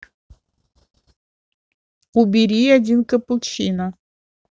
убери один капучино